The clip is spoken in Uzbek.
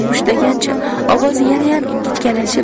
mushtlagancha ovozi yanayam ingichkalashib